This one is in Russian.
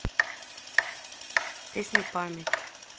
песня память